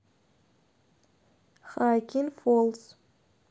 хоакин фолс